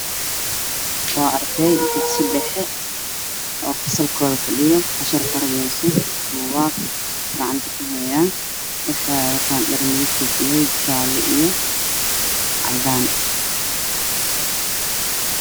Meeshaan waa iskool waxaa fadhiyay arday cali wataan shaatiishati iyo caddaan casir iyo qorayaan